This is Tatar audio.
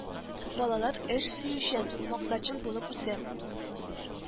Балалар эш сөючән, максатчыл булып үсә